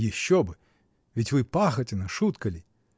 — Еще бы: ведь вы Пахотина; шутка ли?